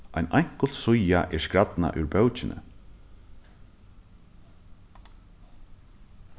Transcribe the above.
ein einkult síða er skrædnað úr bókini